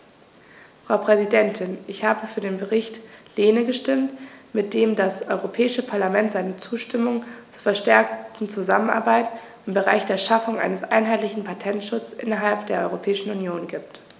Frau Präsidentin, ich habe für den Bericht Lehne gestimmt, mit dem das Europäische Parlament seine Zustimmung zur verstärkten Zusammenarbeit im Bereich der Schaffung eines einheitlichen Patentschutzes innerhalb der Europäischen Union gibt.